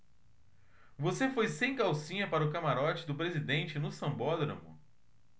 você foi sem calcinha para o camarote do presidente no sambódromo